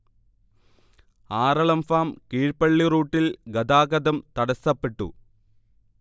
Aralam farm Keezhpalli റൂട്ടിൽ ഗതാഗതം തടസ്സപ്പെട്ടു